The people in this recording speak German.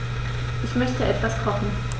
Ich möchte etwas kochen.